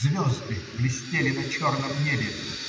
звезды блестели на черном небе.